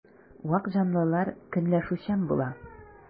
Вак җанлылар көнләшүчән була.